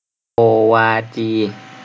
โกวาจี